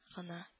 Гына